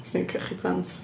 'Swn i'n cachu pants fi.